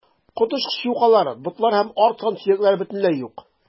Коточкыч юкалар, ботлары һәм арт сан сөякләре бөтенләй юк.